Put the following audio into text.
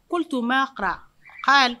Paultumaraaali